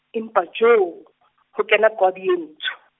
empa joo , ho kena Qwabi e ntsho.